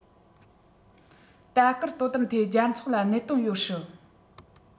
ལྟ སྐུལ དོ དམ ཐད རྒྱལ ཚོགས ལ གནད དོན ཡོད སྲིད